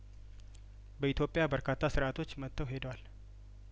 በኢትዮጵያ በርካታ ስርአቶች መጥተው ሄደዋል